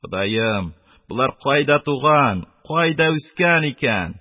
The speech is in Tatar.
Ходаем, болар кайда туган, кайда үскән икән?